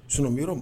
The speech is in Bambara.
Sinan